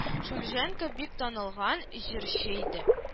Шульженко бик танылган җырчы иде